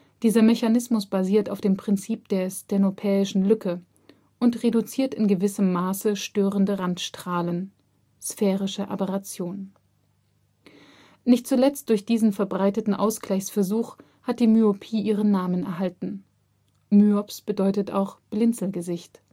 Dieser Mechanismus basiert auf dem Prinzip der „ stenopäischen Lücke “und reduziert in gewissem Maße störende Randstrahlen (sphärische Aberration). Nicht zuletzt durch diesen verbreiteten Ausgleichsversuch hat die Myopie ihren Namen erhalten. Myops bedeutet auch „ Blinzelgesicht